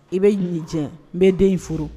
I bɛ ɲini jɛ n bɛ den in furu